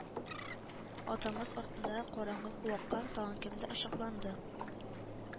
Атамас артындагы караңгы куакка тагын кемдер ышыкланды